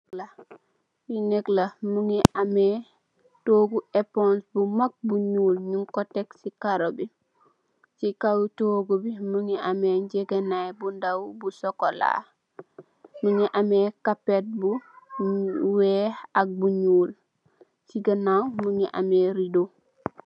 Fii nëëk la, mu ngi ame eposs bu mag bu ñuul, ñung ko tek si koro bi. Si now toogu bi, mu ngi amee ngege naayi bu ndaw bu sokolaa. Mu ngi amee kapet bu weex ak bu ñuul. Si ganaaw mu ngi amee riido.